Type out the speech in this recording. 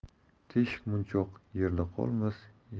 teshik munchoq yerda qolmas